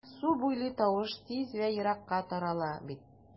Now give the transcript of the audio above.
Су буйлый тавыш тиз вә еракка тарала бит...